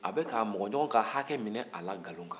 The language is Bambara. a bɛ k'a mɔgɔɲɔgɔn ka hakɛ minɛ a la nkalon kan